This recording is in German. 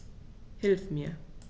Hilf mir!